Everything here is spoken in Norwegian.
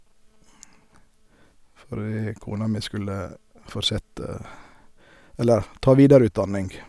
Fordi kona mi skulle fortsette eller ta videreutdanning.